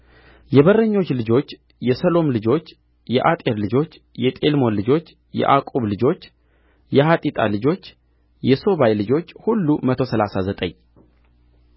የበረኞች ልጆች የሰሎም ልጆች የአጤር ልጆች የጤልሞን ልጆች የዓቁብ ልጆች የሐጢጣ ልጆች የሶባይ ልጆች ሁሉ መቶ ሠላሳ ዘጠኝ